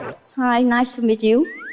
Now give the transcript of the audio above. hai nai to mít diu